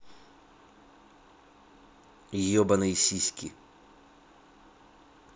ебаные сиськи